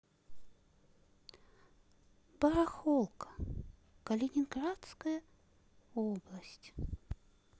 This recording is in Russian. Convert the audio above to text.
барахолка калининградская область